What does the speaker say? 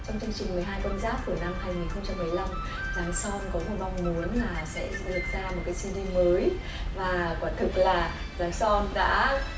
trong chương trình mười hai con giáp của năm hai nghìn không trăm mười lăm giáng son có mong muốn là sẽ được ra một cái sia ri mới và quả thực là giáng son đã